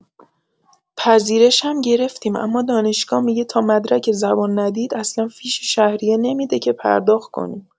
پذیرش هم گرفتیم اما دانشگاه می‌گه تا مدرک زبان ندید اصلا فیش شهریه نمی‌ده که پرداخت کنیم.